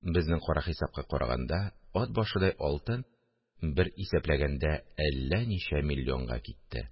Безнең кара хисапка караганда, «ат башыдай алтын» бер исәпләгәндә әллә ничә миллионга китте